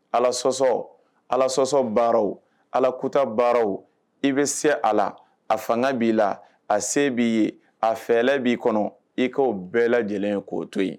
Ala sɔsɔ , Ala sɔsɔ baaraw . Ala kote baaraw. I be se a la. A fanga bi la. A se bi ye . A fɛlɛ bi kɔnɔ. I ko bɛɛ lajɛlen ye ko to yen